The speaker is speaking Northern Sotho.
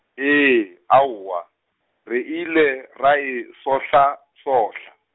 ee, aowa, re ile, ra e sohlasohla.